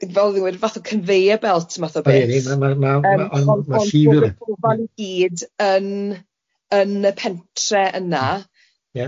fel ryw fath o conveyor belt math o beth... ma' bobol i gyd yn yn y pentre yna